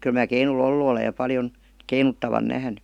kyllä minä keinulla ollut olen ja paljon keinuttavan nähnyt